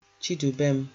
Chidubem